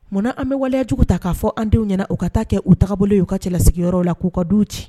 Munna an bɛ waleya jugu ta k'a fɔ an denw ɲɛna u ka ta'a kɛ u tabolo ye u ka cɛlasigiyɔrɔ la k'u ka duw ci